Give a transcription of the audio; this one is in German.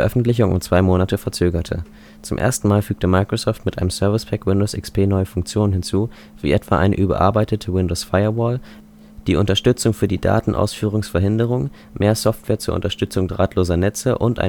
Veröffentlichung um zwei Monate verzögerte. Zum ersten Mal fügte Microsoft mit einem Service Pack Windows XP neue Funktionen hinzu, wie etwa eine überarbeitete Windows Firewall, die Unterstützung für die Datenausführungsverhinderung, mehr Software zur Unterstützung drahtloser Netze und